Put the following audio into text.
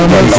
iyo